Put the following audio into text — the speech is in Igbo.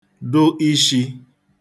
dụ ishī